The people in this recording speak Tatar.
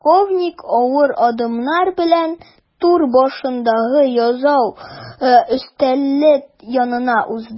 Полковник авыр адымнар белән түр башындагы язу өстәле янына узды.